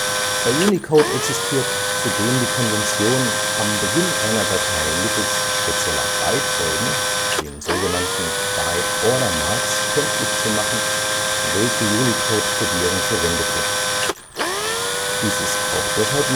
Bei Unicode existiert zudem die Konvention, am Beginn einer Datei mittels spezieller Bytefolgen (sogenannte Byte Order Marks) kenntlich zu machen, welche Unicode-Codierung verwendet wird. Dies ist auch deshalb